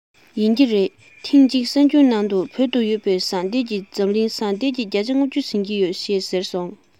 ཡིན གྱི རེད ཐེངས གཅིག གསར འགྱུར ནང དུ བོད དུ ཡོད པའི ཟངས གཏེར གྱིས འཛམ གླིང ཟངས གཏེར གྱི བརྒྱ ཆ ལྔ བཅུ ཟིན གྱི ཡོད ཟེར བཤད འདུག